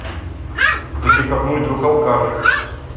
да ты как мой друг алкаш